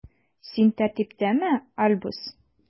Син тәртиптәме, Альбус?